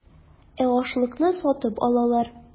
Ә ашлыкны сатып алалар.